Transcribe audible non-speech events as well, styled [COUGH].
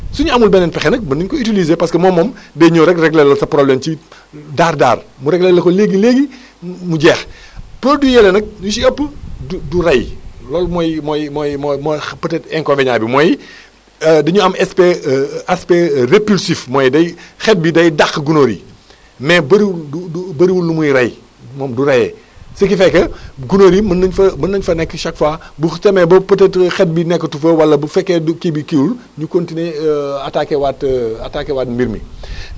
su ñu amul beneen pexe nag mën nañu ko utiliser parce que moom moom [BREATH] day ñëw rek réglé la sa problème ci [BREATH] dare dare mu réglé la ko léegi-léegi [BREATH] mu jeex [BREATH] produit yële nag yu si ëpp du du rey loolu mooy mooy mooy mooy xa peut être inconvenient :frra bi mooy [BREATH] [HESITATION] dañu am aspect répulsif mooy day [BREATH] xet bi day dàq gunóor yi [BREATH] mais bëriwul du du bëriwul lu muy rey moom du reye ce qui fait que [BREATH] gunóor yi mën nañu fa mën nañu fa nekk chaque fois [BREATH] bu demee ba peut être xet bi nekkatu fa wala bu fekkee kii bi kiiwul ñu continué [HESITATION] attaqué waat [HESITATION] attaqué waat mbir mi [BREATH]